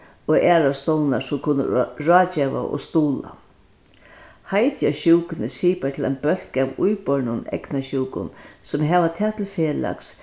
og aðrar stovnar sum kunnu ráðgeva og stuðla heitið á sjúkuni sipar til ein bólk av íbornum eygnasjúkum sum hava tað til felags